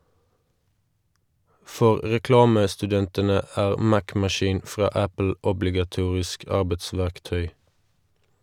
For reklamestudentene er Mac-maskin fra Apple obligatorisk arbeidsverktøy.